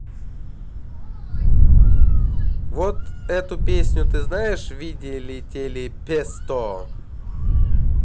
вот эту песню ты знаешь виделители песто